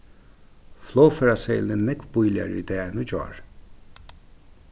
flogferðaseðilin er nógv bíligari í dag enn í gjár